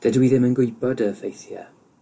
dydw i ddim yn gwybod y ffeithiau,